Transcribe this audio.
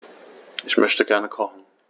Ich möchte gerne kochen.